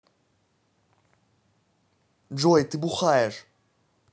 джой ты бухаешь